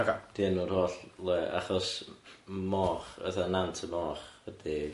'Di enw'r holl le achos moch, fatha nant y moch, ydi Mochnant ia.